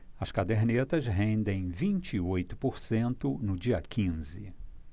as cadernetas rendem vinte e oito por cento no dia quinze